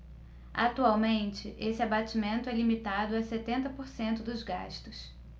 atualmente esse abatimento é limitado a setenta por cento dos gastos